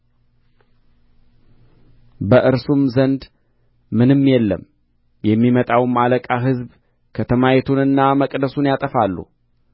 በእርሱም ዘንድ ምንም የለም የሚመጣውም አለቃ ሕዝብ ከተማይቱንና መቅደሱን ያጠፋሉ